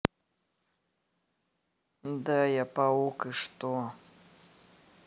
да я паук и что